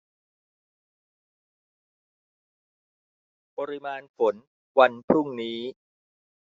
ปริมาณฝนวันพรุ่งนี้